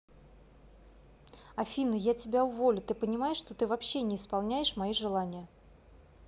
афина я тебя уволю ты понимаешь что ты вообще не исполняешь мои желания